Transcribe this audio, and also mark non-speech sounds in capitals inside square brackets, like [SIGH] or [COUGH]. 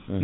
[HESITATION] [HESITATION]